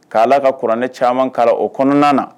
Ka Ala ka kuranɛ caman kalan o kɔnɔna na